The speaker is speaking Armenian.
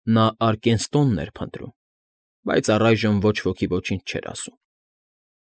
Նա Արկենստոնն էր փնտրում, բայց առայժմ ոչ ոքի ոչինչ չէր ասում։